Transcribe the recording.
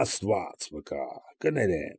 Աստված վկա, կներեմ։